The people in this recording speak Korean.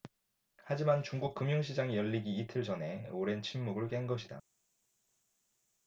하지만 중국 금융시장이 열리기 이틀 전에 오랜 침묵을 깬 것이다